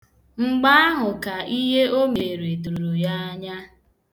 Mgbe ahụ ka ihe o mere doro ya anya.